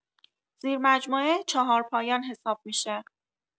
زیرمجموعه چهارپایان حساب می‌شه